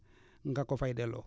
nga ko fay delloo